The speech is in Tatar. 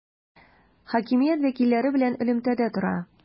Хакимият вәкилләре белән элемтәдә тора.